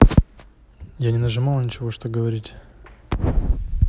я не нажимал ничего что говорить